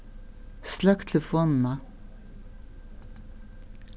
sløkk telefonina